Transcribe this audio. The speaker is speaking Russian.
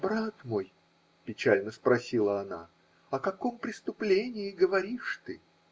-- Брат мой, -- печально спросила она, -- о каком преступлении говоришь ты?